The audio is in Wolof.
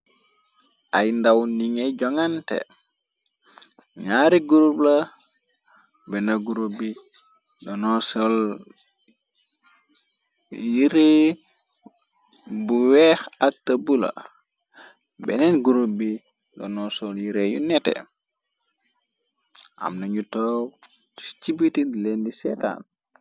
Ay ndaw ni ngay jongante ñaari gurub la benna gurub bi donoo. Sol yiree bu weex ak ta bula benneen gurub bi dano. Sol yiree yu nete amnañu toow ci cibitit leen di seetaan.